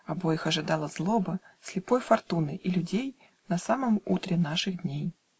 Обоих ожидала злоба Слепой Фортуны и людей На самом утре наших дней.